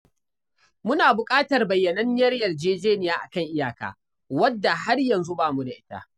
Muna buƙatar bayyananniyar yarjejeniya a kan iyaka, wadda har yanzu ba mu da ita.